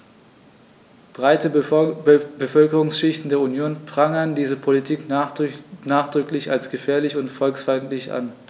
Breite Bevölkerungsschichten der Union prangern diese Politik nachdrücklich als gefährlich und volksfeindlich an.